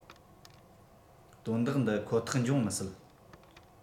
དོན དག འདི ཁོ ཐག འབྱུང མི སྲིད